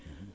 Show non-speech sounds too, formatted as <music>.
<hesitation> <hesitation>